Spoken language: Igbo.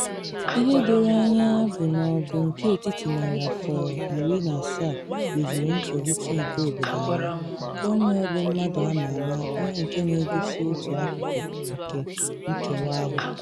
Ihe doro anya bụ na ọgụ nke etiti narị afọ 17 doziri ntolite nke obodo anyị, Cromwell bụ mmadụ ama ama onye nke na egosi otu akụkụ nke nkewa ahụ.